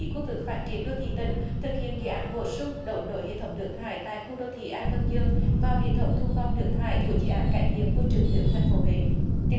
lý khu vực phát triển đô thị tỉnh thực hiện dự án bổ sung đấu nối hệ thống nước thải tại khu đô thị an vân dương vào hệ thống thu gom nước thải của dự án cải thiện môi trường giữa thành phố huế